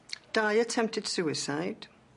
Dau attempted suicide,